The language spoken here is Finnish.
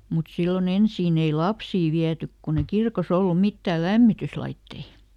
mutta silloin ensin ei lapsia viety kun ei kirkossa ollut mitään lämmityslaitteita